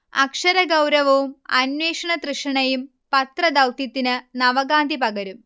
അക്ഷരഗൗരവവും അന്വേഷണ തൃഷ്ണയും പത്ര ദൗത്യത്തിന് നവകാന്തി പകരും